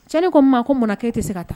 Cɛnni ko maa ko mun k' e tɛ se ka taa